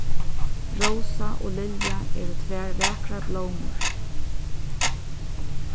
rósa og lilja eru tvær vakrar blómur